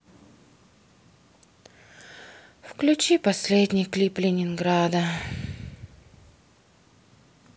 включи последний клип ленинграда